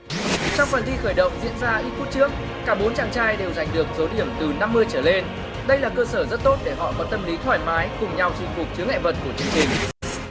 trong phần thi khởi động diễn ra ít phút trước cả bốn chàng trai đều giành được số điểm từ năm mươi trở lên đây là cơ sở rất tốt để họ có tâm lý thoải mái cùng nhau chinh phục chướng ngại vật của chương trình